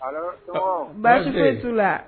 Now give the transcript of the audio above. Baasi bɛ su la